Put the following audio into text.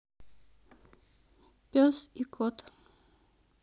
пес и кот